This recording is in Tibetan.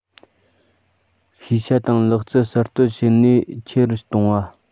ཤེས བྱ དང ལག རྩལ གསར གཏོད བྱེད ནུས ཆེ རུ གཏོང བ